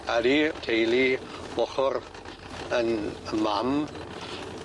Ydi teulu ochor 'yn yy mam